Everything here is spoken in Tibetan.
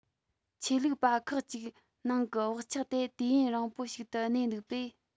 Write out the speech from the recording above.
ཆོས ལུགས པ ཁག ཅིག ནང གི བག ཆགས དེ དུས ཡུན རིང པོ ཞིག ཏུ གནས འདུག པས